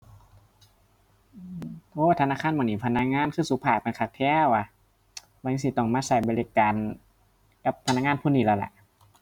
โอ้ ธนาคารมื้อนี้พนักงานคือสุภาพกันคักแท้วะ เหมือนสิต้องมาใช้บริการกับพนักงานคนนี้แล้วล่ะ